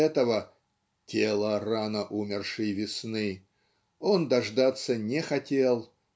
этого "тела рано умершей весны" он дождаться не хотел